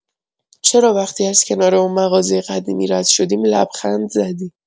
چرا وقتی از کنار اون مغازه قدیمی رد شدیم لبخند زدی؟